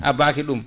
abbaki ɗum